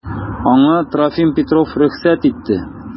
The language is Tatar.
Аңа Трофим Петров рөхсәт итте.